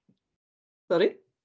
Sori?